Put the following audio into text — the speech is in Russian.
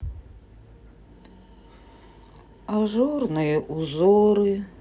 ажурные узоры